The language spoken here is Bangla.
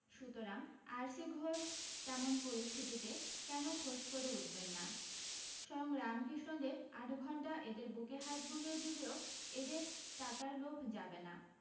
সুতরাং আর সি ঘোষ তেমন পরিস্থিতিতে কেন ফোঁস করে উঠবেন না স্বয়ং রামকৃষ্ণদেব আধ ঘণ্টা এদের বুকে হাত বুলিয়ে দিলেও এদের টাকার লোভ যাবে না